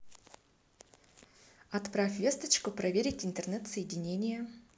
отправь весточку проверить интернет соединение